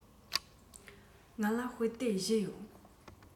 ང ལ དཔེ དེབ བཞི ཡོད